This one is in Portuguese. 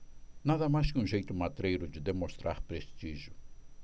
nada mais que um jeito matreiro de demonstrar prestígio